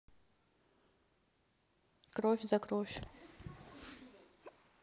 кровь за кровь